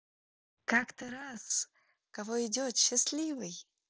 как то раз кого идет счастливый